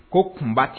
Ko kunba t